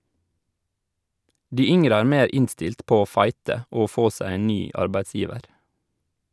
De yngre er mer innstilt på å fighte og få seg en ny arbeidsgiver.